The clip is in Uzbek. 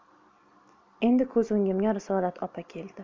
endi ko'z o'ngimga risolat opa keldi